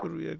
tur weeg